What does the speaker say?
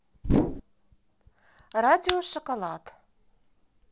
радио шоколад